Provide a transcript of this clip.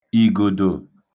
ìgòdò